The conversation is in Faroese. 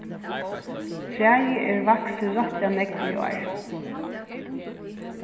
træið er vaksið rættiliga nógv í ár